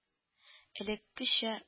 Элеккечә